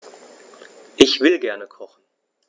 Ich will gerne kochen.